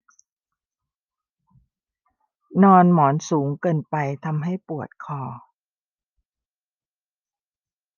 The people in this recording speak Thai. นอนหมอนสูงเกินไปทำให้ปวดคอ